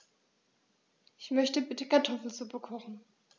Ich möchte bitte Kartoffelsuppe kochen.